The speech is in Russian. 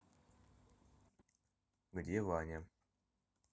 где ваня